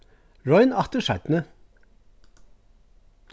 royn aftur seinni